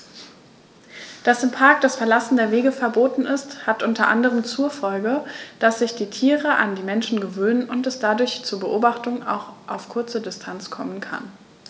Dass im Park das Verlassen der Wege verboten ist, hat unter anderem zur Folge, dass sich die Tiere an die Menschen gewöhnen und es dadurch zu Beobachtungen auch auf kurze Distanz kommen kann.